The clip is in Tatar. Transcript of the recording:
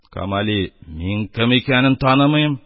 Камали: «Мин кем икәнен танымыйм,